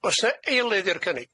O's 'ne eilydd i'r cynnig?